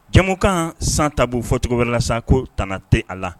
Jamukan san ta fɔcogo wɛrɛ lasa ko tana tɛ a la